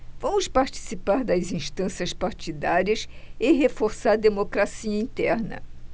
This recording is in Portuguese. vamos participar das instâncias partidárias e reforçar a democracia interna